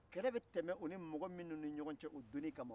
kɛlɛ be tɛmɛ u ni mɔgɔ minnu ni ɲɔgɔn cɛ o donni ka ma